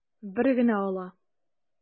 Бер генә ала.